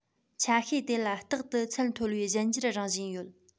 ཆ ཤས དེ ལ རྟག ཏུ ཚད མཐོ བའི གཞན འགྱུར རང བཞིན ཡོད